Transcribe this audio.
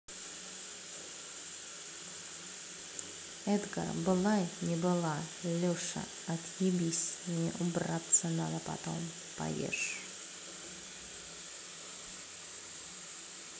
эдгар была не была леша отъебись мне убраться надо потом поешь